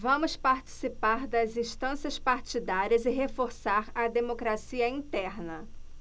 vamos participar das instâncias partidárias e reforçar a democracia interna